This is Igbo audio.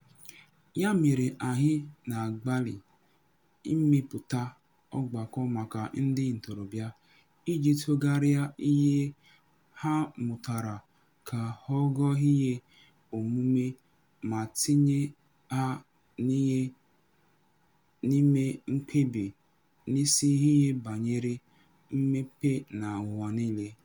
Ya mere, anyị na-agbalị imepụta ọgbakọ maka ndị ntorobịa iji tụgharịa ihe ha mụtara ka ọ ghọ ihe omume ma tinye ha n'ime mkpebi n'isi ihe banyere mmepe na ụwa niile.